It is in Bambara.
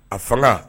A fanga